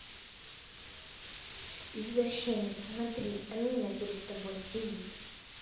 извращенец смотри амина перед тобой сидит